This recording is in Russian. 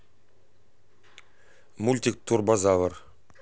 мультик турбозавр